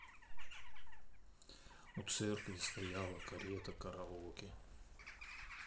у церкви стояла карета караоке